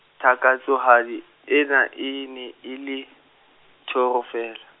takatsohadi ena, e ne e le, toro feela.